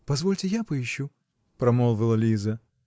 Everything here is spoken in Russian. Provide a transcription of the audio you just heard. -- Позвольте, я поищу, -- промолвила Лиза.